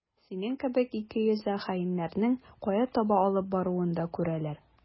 Синең кебек икейөзле хаиннәрнең кая таба алып баруын да күрәләр.